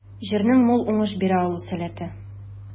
Җирнең мул уңыш бирә алу сәләте.